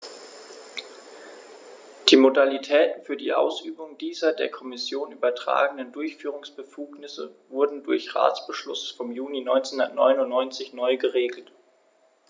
Die Modalitäten für die Ausübung dieser der Kommission übertragenen Durchführungsbefugnisse wurden durch Ratsbeschluss vom Juni 1999 neu geregelt.